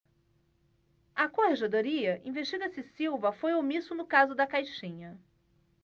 a corregedoria investiga se silva foi omisso no caso da caixinha